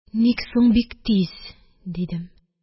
Ник соң бик тиз? – дидем.